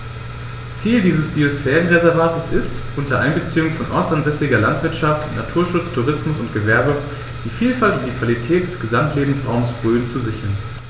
Ziel dieses Biosphärenreservates ist, unter Einbeziehung von ortsansässiger Landwirtschaft, Naturschutz, Tourismus und Gewerbe die Vielfalt und die Qualität des Gesamtlebensraumes Rhön zu sichern.